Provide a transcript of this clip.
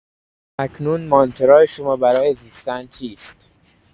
اکنون مانترای شما برای زیستن چیست؟